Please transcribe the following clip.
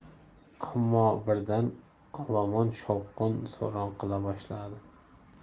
ammo birdan olomon shovqin suron qila boshladi